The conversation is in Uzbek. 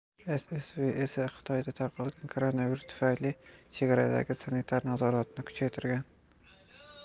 ssv esa xitoyda tarqalgan koronavirus tufayli chegaradagi sanitar nazoratni kuchaytirgan